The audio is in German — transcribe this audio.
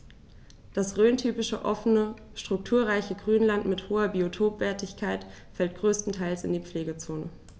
Das rhöntypische offene, strukturreiche Grünland mit hoher Biotopwertigkeit fällt größtenteils in die Pflegezone.